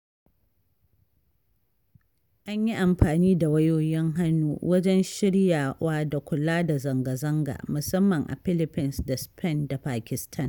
An yi amfani da wayoyin hannu wajen shiryawa da kula da zangazanga, musamman a Philphines da Spain da Pakistan.